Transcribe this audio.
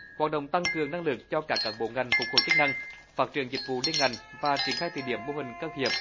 hội đồng tăng cường năng lực cho các cán bộ ngành phục hồi chức năng phát triển dịch vụ liên ngành và triển khai thí điểm mô hình can thiệp